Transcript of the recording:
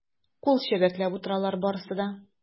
Кул чәбәкләп утыралар барысы да.